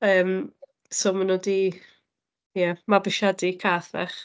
Yym, so maen nhw 'di, ie, mabwysiadu cath fach.